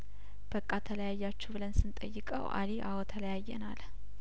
በቃ ተለያያችሁ ብለን ስንጠይቀው አሊ አዎን ተለያየን አለን